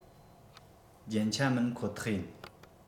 རྒྱན ཆ མིན ཁོ ཐག ཡིན